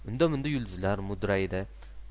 unda munda yulduzlar mudraydi